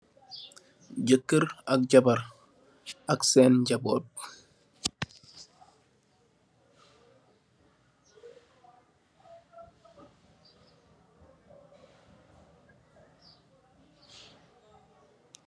Jèker ak jabarr ak sèèn njobot.